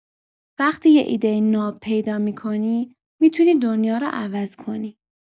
وقتی یه ایده ناب پیدا می‌کنی، می‌تونی دنیا رو عوض کنی.